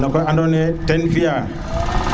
no ke andona ne ten fiya